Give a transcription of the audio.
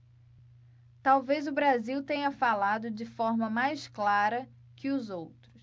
talvez o brasil tenha falado de forma mais clara que os outros